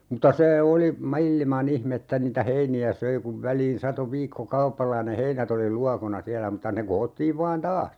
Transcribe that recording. mutta se oli maailman ihme että niitä heiniä söi kun väliin satoi viikkokaupalla ja ne heinät oli luokona siellä mutta ne koottiin vain taas